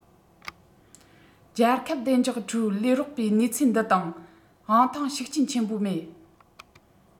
རྒྱལ ཁབ བདེ འཇགས ཁྲུའུ ལས རོགས པའི ནུས ཚད འདི དང དབང ཐང ཤུགས རྐྱེན ཆེན པོ མེད